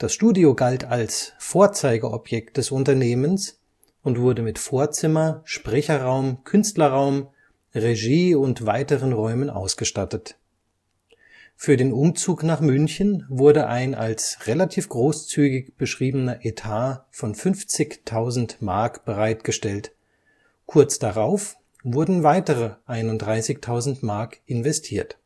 Studio galt als „ Vorzeigeobjekt “des Unternehmens und wurde mit Vorzimmer, Sprecherraum, Künstlerraum, Regie - und weiteren Räumen ausgestattet. Für den Umzug nach München wurde ein als „ relativ großzügig “beschriebener Etat von 50.000 Mark bereitgestellt; kurz darauf wurden weitere 31.000 Mark investiert